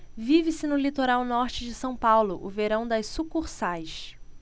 vive-se no litoral norte de são paulo o verão das sucursais